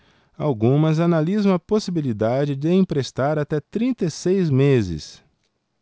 algumas analisam a possibilidade de emprestar até trinta e seis meses